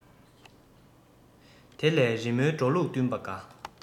དེ ལས རི མོའི འགྲོ ལུགས བསྟུན པ དགའ